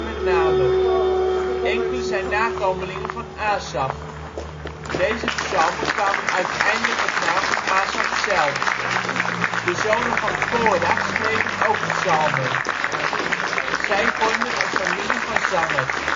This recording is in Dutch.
name. Enkele zijn nakomelingen van Asaf. Deze psalmen kwamen uiteindelijk op naam van Asaf zelf. De zonen van Korach schreven ook psalmen. Zij vormden een familie van zangers